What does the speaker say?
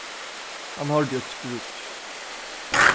hann hoyrdi eitt skríggj